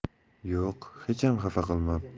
yo'q hecham xafa qilmabdi